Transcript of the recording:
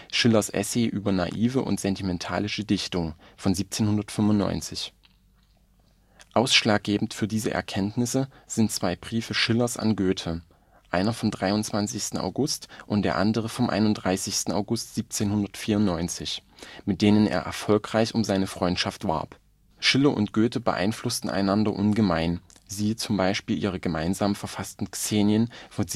Schillers Essai Über naive und sentimentalische Dichtung von 1795). Ausschlaggebend für diese Erkenntnisse sind zwei Briefe Schillers an Goethe, einer vom 23. August und der andere vom 31. August 1794, mit denen er erfolgreich um seine Freundschaft warb. Schiller und Goethe beeinflussten einander ungemein (vgl. ihre gemeinsam verfassten Xenien von